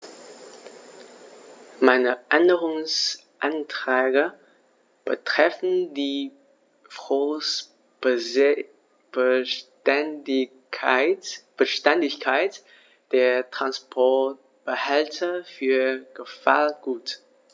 Meine Änderungsanträge betreffen die Frostbeständigkeit der Transportbehälter für Gefahrgut.